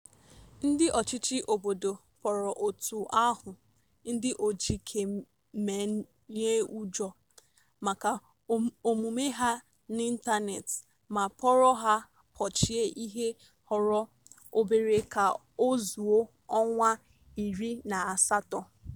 Ndị ọchịchị obodo kpọrọ òtù ahụ "ndị ojiikeemenyeụjọ" maka omume ha n'ịntaneetị ma kpọrọ ha kpọchie ihe họrọ obere ka o zuo ọnwa 18.